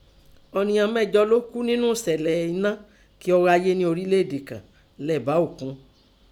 Ọ̀nìyàn mẹ́jọ ló kú ńnú ẹ̀ṣẹ̀lẹ̀ ẹná kí ọ́ háyé nẹ ọrílẹ̀ èdè kàn lẹ́bǎ òkun.